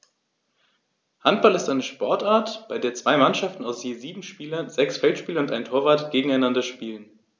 Handball ist eine Sportart, bei der zwei Mannschaften aus je sieben Spielern (sechs Feldspieler und ein Torwart) gegeneinander spielen.